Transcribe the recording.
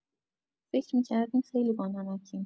فکر می‌کردیم خیلی بانمکیم